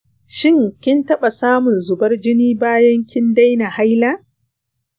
shin kin taɓa samun zubar jini bayan kin daina haila?